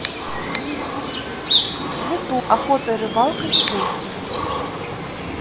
ютуб охота и рыбалка якутия